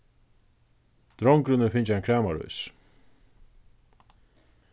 drongurin hevur fingið ein kramarís